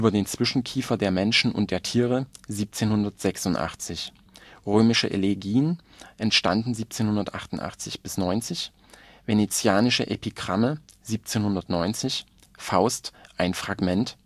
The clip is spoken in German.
den Zwischenkiefer der Menschen und der Tiere (1786) Römische Elegien (entstanden 1788 – 90) Venezianische Epigramme (1790) Faust. Ein Fragment